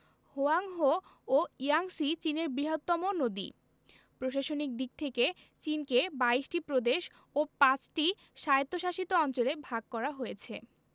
Hwang Ho ও Yangtze চীনের বৃহত্তম নদী প্রশাসনিক দিক থেকে চিনকে ২২ টি প্রদেশ ও ৫ টি স্বায়ত্তশাসিত অঞ্চলে ভাগ করা হয়েছে